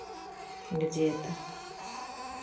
где это